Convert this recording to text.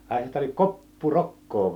ai sitä oli koppurokkaa